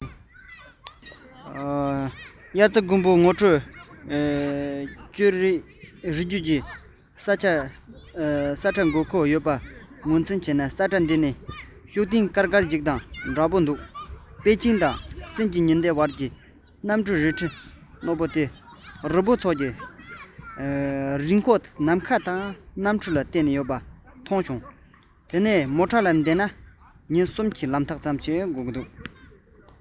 ཝ པགས གྱོན མཁས པའི མི ཞེས པའི སྲོགས ཆགས གཅན གཟན དང ལྷ འདྲེ ཀུན ལས འཇིགས སུ རུང དབྱར རྩྭ དགུན འབུ ངོ སྤྲོད འཕྲེད གཅོད རི རྒྱུད ཀྱི ས ཁྲ དགོས མཁོ ཡོད པ ངོས འཛིན བྱས ས ཁྲ འདི ནི ཤོག སྟོང དཀར དཀར ཞིག དང འདྲ བོ འདུག པེ ཅིན དང སེམས ཀྱི ཉི ཟླའི བར གྱི གནམ གྲུ རལ གྲི ལས རྣོ བའི རི བོའི ཚོགས ཀྱི རྩེ མོ ནམ མཁའ དང གནམ གྲུ ལ གཏད ཡོད པ མཐོང བྱུང རླངས འཁོར ལ བསྡད ན ཉིན གསུམ གྱི ལམ ཐག འདུག